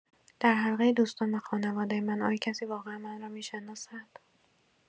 در حلقه دوستان و خانواده من، آیا کسی واقعا من را می‌شناسد؟